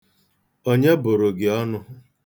Onye bụrụ gị ọnụ?